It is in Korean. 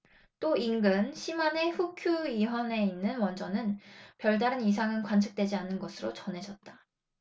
또 인근 시마네 후쿠이현에 있는 원전은 별다른 이상은 관측되지 않은 것으로 전해졌다